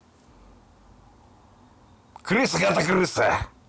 крыса когда ты крыса